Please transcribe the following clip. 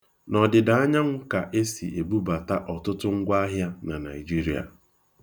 N'ọdịdanyanwụ e si ebubata ọtụtụ ngwaahịa na Naịjria.